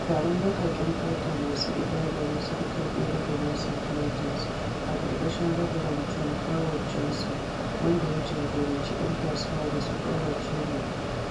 Taron baƙaƙen fata masu ibada ne suka karɓe ragamar St. Martin’s a ƙarƙashin Rabaran John Howard Johnson, wanda ya jagoranci ‘yan kasuwa da su ƙaurace ma